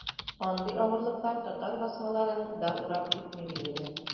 Андый авырлыклар татар басмаларын да урап үтми, билгеле.